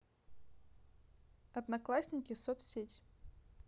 одноклассники соцсеть